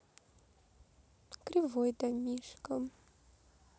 кривой домишка